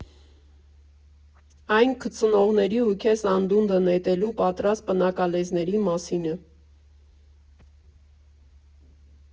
Այն քծնողների ու քեզ անդունդը նետելու պատրաստ պնակալեզների մասին է։